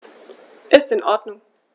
Ist in Ordnung.